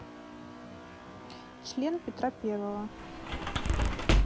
член петра первого